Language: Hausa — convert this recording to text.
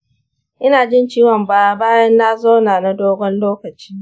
ina jin ciwon baya bayan na zauna na dogon lokaci.